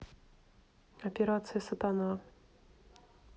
операция сатана